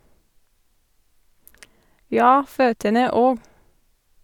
Ja, føtene òg.